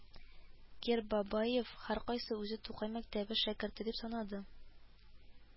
Кербабаев һәркайсы үзен Тукай мәктәбе шәкерте дип санады